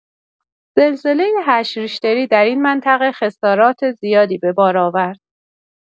زلزله هشت ریش‌تری در این منطقه خسارات زیادی به بار آورد.